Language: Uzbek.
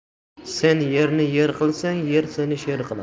sen yerni yer qilsang yer seni sher qilar